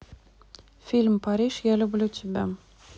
фильм париж я люблю тебя